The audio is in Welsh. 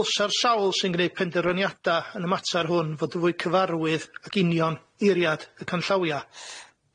Ddylsa'r sawl sy'n gneud penderfyniada yn y mater hwn fod yn fwy cyfarwydd ag union eiriad y canllawia.